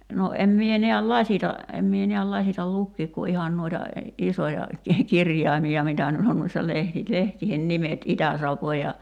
no en minä näe lasitta en minä näe lasitta lukea kuin ihan noita isoja - kirjaimia mitä nyt on noissa - lehtien nimet Itäsavoa ja